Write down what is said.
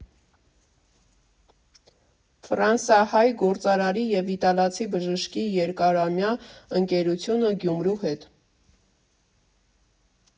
Ֆրանսահայ գործարարի և իտալացի բժշկի երկարամյա ընկերությունը Գյումրու հետ։